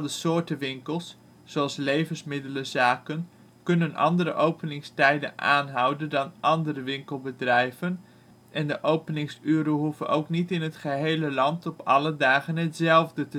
soorten winkels, zoals levensmiddelenzaken, kunnen andere openingstijden aanhouden dan andere winkelbedrijven en de openingsuren hoeven ook niet in het gehele land op alle dagen hetzelfde